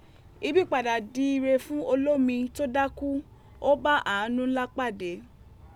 Ibi padà di ire fún olómi tó dákú, ó bá àánú ńlá pàdé